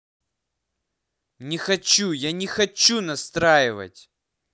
не хочу я не хочу настраивать